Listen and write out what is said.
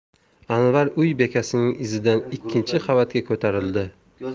anvar uy bekasining izidan ikkinchi qavatga ko'tarildi